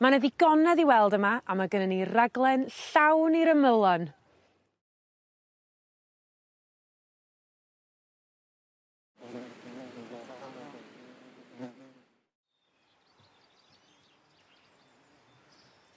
Ma' 'na ddigonedd i weld yma a ma' gynnon ni raglen llawn i'r ymylon.